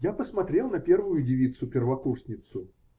Я посмотрел па первую девицу-первокурсницу.